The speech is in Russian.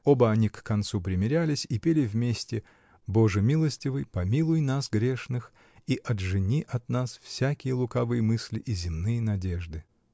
оба они к концу примирялись и пели вместе: "Боже милостивый, помилуй нас, грешных, и отжени от нас всякие лукавые мысля и земные надежды".